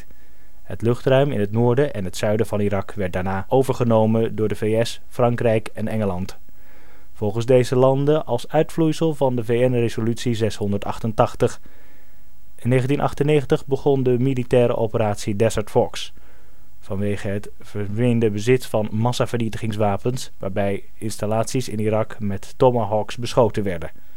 luchtruim in het noorden en het zuiden van Irak werd daarna overgenomen door de VS, Frankrijk en Engeland, volgens deze landen als uitvloeisel van VN resolutie 688. In 1998 begon de militaire operatie Desert Fox, vanwege het vermeende bezit van massavernietigingswapens, waarbij installaties in Irak met tomahawks beschoten werden